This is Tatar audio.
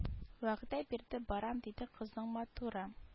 Вәгъдә бирде барам диде кызның матуры